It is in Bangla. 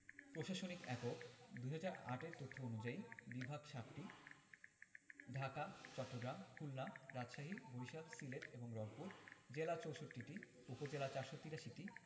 প্রশাসনিক এককঃ ২০০৮ এর তথ্য অনুযায়ী বিভাগ ৭টি ঢাকা চট্টগ্রাম খুলনা রাজশাহী বরিশাল সিলেট এবং রংপুর জেলা ৬৪টি উপজেলা ৪৮৩টি